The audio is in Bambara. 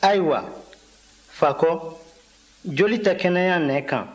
ayiwa fako joli tɛ kɛnɛya nɛ kan